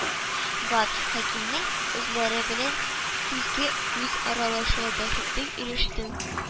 Гат хәкимнең үзләре белән күзгә-күз аралашу бәхетен ирештем